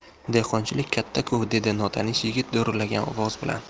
dehqonchilik katta ku dedi notanish yigit do'rillagan ovoz bilan